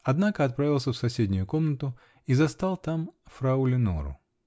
однако отправился в соседнюю комнату и застал там фрау Ленору.